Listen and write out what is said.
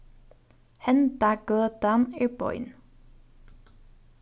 henda gøtan er bein